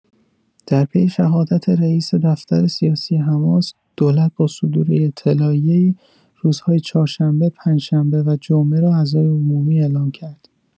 در پی شهادت رئیس دفتر سیاسی حماس دولت با صدور اطلاعیه‌ای روزهای چهارشنبه، پنج‌شنبه و جمعه را عزای عمومی اعلام کرد.